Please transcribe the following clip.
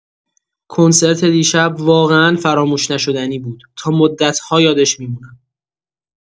کنسرت دیشب واقعا فراموش‌نشدنی بود، تا مدت‌ها یادش می‌مونم.